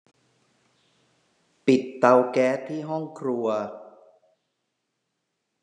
ปิดเตาแก๊สที่ห้องครัว